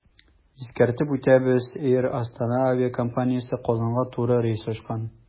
Искәртеп үтәбез, “Эйр Астана” авиакомпаниясе Казанга туры рейс ачкан.